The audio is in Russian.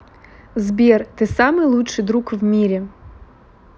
сбер ты самый лучший друг в мире